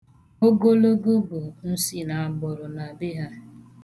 Ogologo bụ nsinagbụrụ na be ha.